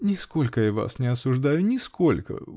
-- Нисколько я вас не осуждаю, нисколько!